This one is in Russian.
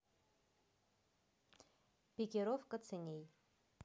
пикировка ценей